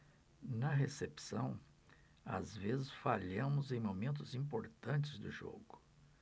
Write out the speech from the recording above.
na recepção às vezes falhamos em momentos importantes do jogo